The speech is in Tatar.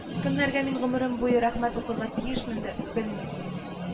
Кемнәргә мин гомерем буе рәхмәт укырга тиешмендер, белмим